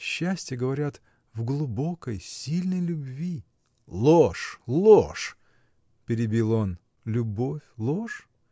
Счастье, говорят, в глубокой, сильной любви. — Ложь, ложь! — перебил он. — Любовь — ложь?